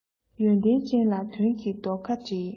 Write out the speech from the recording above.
ཡོན ཏན ཅན ལ དོན གྱི རྡོ ཁ སྒྲིལ